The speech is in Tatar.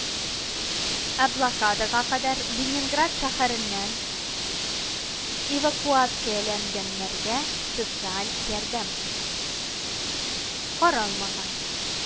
Ә блокадага кадәр Ленинград шәһәреннән эвакуацияләнгәннәргә социаль ярдәм каралмаган